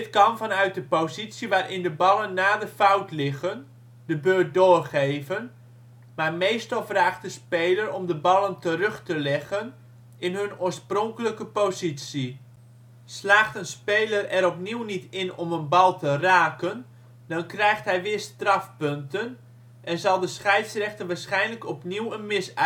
kan vanuit de positie waarin de ballen na de fout liggen (de beurt doorgeven), maar meestal vraagt de speler om de ballen terug te leggen in hun oorspronkelijke positie. Slaagt de speler er opnieuw niet in om een de bal te raken, dan krijgt hij weer strafpunten en zal de scheidsrechter waarschijnlijk opnieuw een miss uitspreken